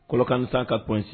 Kɔlɔkan san ka psi